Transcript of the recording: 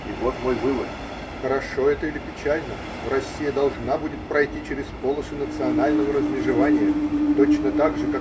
И вот мой вывод: хорошо это или печально, но Россия должна будет пройти через полосу национального размежевания точно так же.